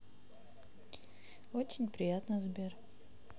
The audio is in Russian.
очень приятно сбер